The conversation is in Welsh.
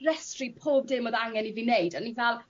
restri pob dim o'dd angen i fi neud o'n i fel